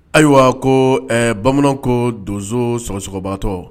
Ayiwa ko ɛ bamananw ko donso ssoɔgɔbatɔ